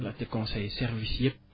laajte conseil service yépp